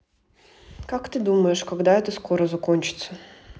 как ты думаешь когда это скоро закончится